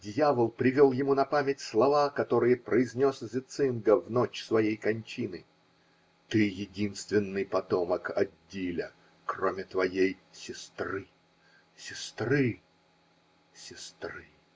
Дьявол привел ему на память слова, которые произнес Зецинго в ночь своей кончины: "Ты единственный потомок Аддиля, кроме твоей сестры -- сестры -- сестры".